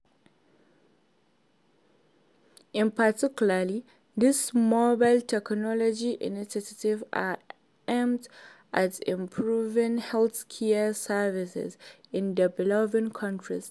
In particular, these mobile technology initiatives are aimed at improving healthcare services in developing countries.